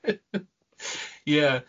Yeah.